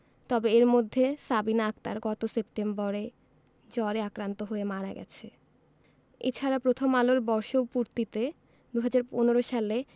তবে এর মধ্যে সাবিনা আক্তার গত সেপ্টেম্বরে জ্বরে আক্রান্ত হয়ে মারা গেছে এ ছাড়া প্রথম আলোর বর্ষপূর্তিতে ২০১৫ সালে